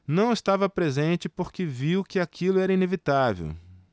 não estava presente porque viu que aquilo era inevitável